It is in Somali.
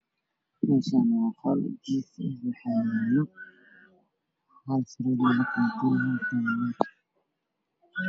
Meeshaan waa qol jiif eh waxaa yaalo hal sariir.